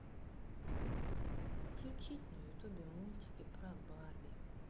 включить на ютубе мультики про барби